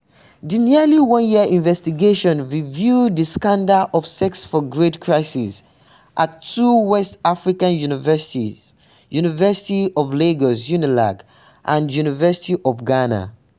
The nearly one-year investigation revealed the scandal of “sex for grades” crises at two West African universities: Nigeria's University of Lagos (UNILAG) and the University of Ghana.